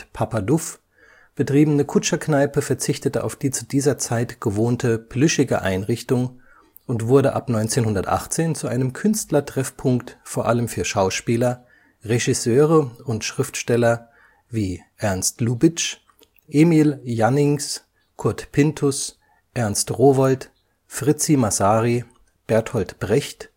Papa Duff “Duffner betriebene Kutscherkneipe verzichtete auf die zu dieser Zeit gewohnte plüschige Einrichtung und wurde ab 1918 zu einem Künstlertreffpunkt vor allem für Schauspieler, Regisseure und Schriftsteller wie Ernst Lubitsch, Emil Jannings, Kurt Pinthus, Ernst Rowohlt, Fritzi Massary, Bertolt Brecht